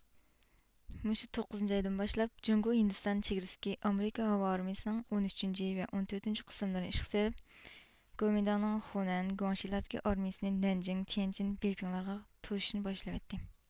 مۇشۇ توققۇزىنچى ئايدىن باشلاپ جۇڭگو ھىندىستان چېگرىسىدىكى ئامېرىكا ھاۋا ئارمىيىسىنىڭ ئون ئۈچىنچى ۋە ئون تۆتىنچى قىسىملىرىنى ئىشقا سېلىپ گومىنداڭنىڭ خۇنەن گۇاڭشىلاردىكى ئارمىيىسىنى نەنجىڭ تيەنجىن بېيپىڭلارغا توشۇشنى باشلىۋەتتى